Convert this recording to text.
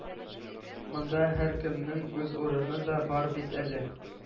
Монда һәркемнең үз урыны да бар бит әле!